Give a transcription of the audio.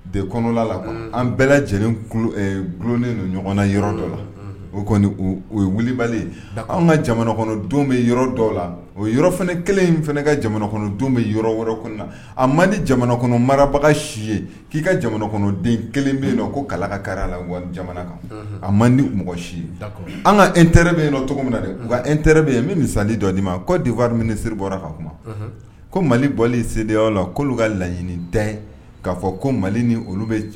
An bɛɛ lajɛlen du ɲɔgɔnna yɔrɔ dɔ la kɔni yeli anw ka kɔnɔ don bɛ yɔrɔ dɔw la o yɔrɔ kelen in fana ka jamana don bɛ yɔrɔ wɛrɛ na a man jamana kɔnɔ marabaga si ye k'i ka jamana kɔnɔden kelen bɛ yen ko kala ka kari la jamana kan a man mɔgɔ si an ka e teri bɛ yen cogo min na dɛ nka e teri bɛ yen min nin sanli dɔ' ma ko dewaminisiri bɔra ka kuma ko mali bɔ senyɔrɔ la'olu ka laɲini dan k'a fɔ ko mali ni olu bɛ